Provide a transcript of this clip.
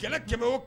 Kɛlɛ tɛmɛ